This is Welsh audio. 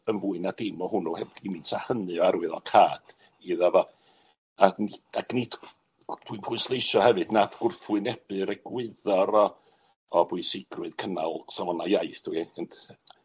yn fwy na dim o' hwnnw, heb dim gymint hynny o arwyddocâd iddo fo. Ac nid dwi'n pwysleisio hefyd nad wrthwynebu'r egwyddor o o bwysigrwydd cynnal safonau iaith dw i ont